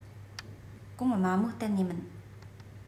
གོང དམའ མོ གཏན ནས མིན